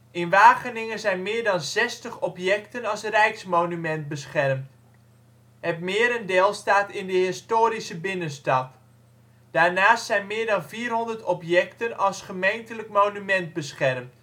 In Wageningen zijn meer dan 60 objecten als rijksmonument beschermd. Het merendeel staat in de historische binnenstad. Daarnaast zijn meer dan 400 objecten als gemeentelijk monument beschermd